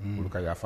Mori ka yafaa